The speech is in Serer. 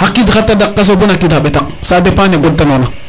xa qiid xa tadaq kaso bona xa kiid xa ɓetak ca depend ne god ta nona